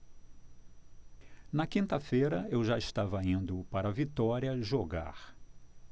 na quinta-feira eu já estava indo para vitória jogar